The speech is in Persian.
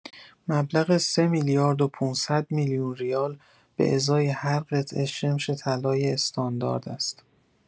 مبلغ ۳ میلیارد و ۵۰۰ میلیون ریال به ازای هر قطعه شمش طلای استاندارد است.